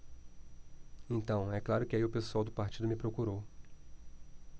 então é claro que aí o pessoal do partido me procurou